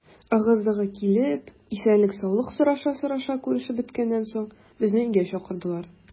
Ыгы-зыгы килеп, исәнлек-саулык сораша-сораша күрешеп беткәннән соң, безне өйгә чакырдылар.